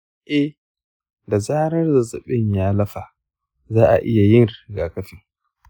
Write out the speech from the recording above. eh, da zarar zazzabin ya lafa, za a iya yin rigakafin.